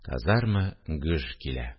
Казарма гөж килә